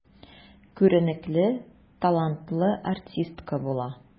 Күренекле, талантлы артистка була.